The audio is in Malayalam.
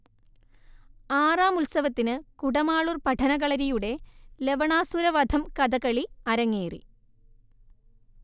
ആറാം ഉത്സവത്തിന് കുടമാളൂർ പഠനകളരിയുടെ ലവണാസുര വധം കഥകളി അരങ്ങേറി